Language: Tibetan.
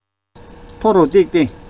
མཐོ རུ བཏེགས ཏེ